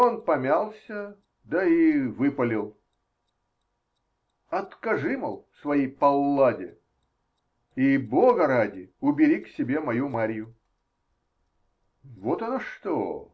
Он помялся, да и выпалил: -- Откажи, мол, своей Палладе и, бога ради, убери к себе мою Марью! Вон оно что!